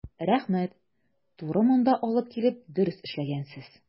Рәхмәт, туры монда алып килеп дөрес эшләгәнсез.